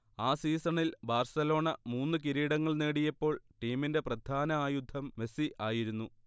ആ സീസണിൽ ബാർസലോണ മൂന്ന് കിരീടങ്ങൾ നേടിയപ്പോൾ ടീമിന്റെ പ്രധാന ആയുധം മെസ്സി ആയിരുന്നു